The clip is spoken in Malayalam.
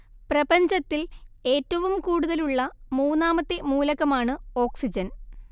പ്രപഞ്ചത്തിൽ ഏറ്റവും കൂടുതൽ ഉള്ള മൂന്നാമത്തെ മൂലകമാണ് ഓക്സിജൻ